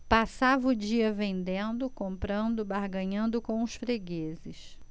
passava o dia vendendo comprando barganhando com os fregueses